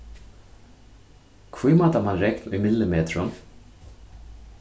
hví mátar mann regn í millimetrum